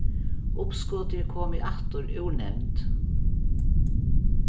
uppskotið er komið aftur úr nevnd